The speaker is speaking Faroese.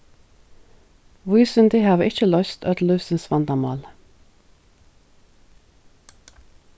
vísindi hava ikki loyst øll lívsins vandamál